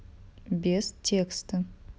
без текста